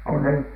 onko se